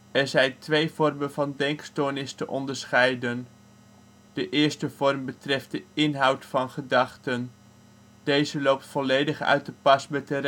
zijn twee vormen van denkstoornis te onderscheiden. De eerste vorm betreft de inhoud van gedachten. Deze loopt volledig uit de pas met de realiteit